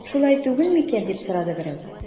Шулай түгел микән дип сорады берәү.